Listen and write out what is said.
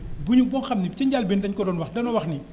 bu ñu ba nga xam ni ca njëlbéen lañ ko doon wax dañoo wax ni